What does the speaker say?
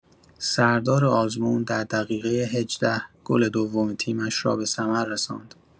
سردار آزمون در دقیقه ۱۸ گل دوم تیمش را به ثمر رساند.